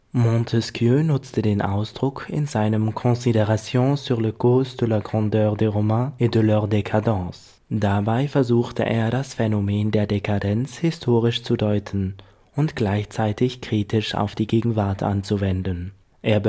Montesquieu nutzte den Ausdruck in seinem Considérations sur les causes de la grandeur des Romains et de leur décadence. Dabei versuchte er das Phänomen der Dekadenz historisch zu deuten und gleichzeitig kritisch auf die Gegenwart anzuwenden. Er